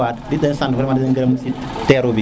dileen sant mangi rafetlu teru bi